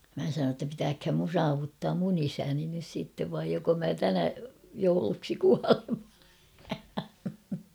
minä sanoin jotta pitääköhän minun saavuttaa minun isäni nyt sitten vai joko minä tänä jouluksi kuolen